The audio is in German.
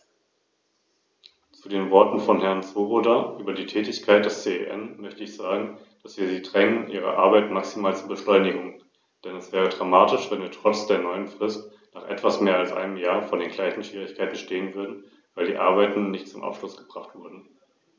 Zu dieser Verbrauchergruppe gehören vor allem Klein- und Mittelbetriebe, Händler und Familienunternehmen, und über EU-Instrumente, die Klein- und Mittelbetriebe finanziell unterstützen sollen, wurde gerade in dieser Sitzungsperiode diskutiert.